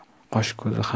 qosh ko'zi ham